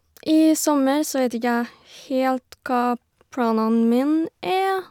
I sommer så vet ikke jeg helt hva planene mine er.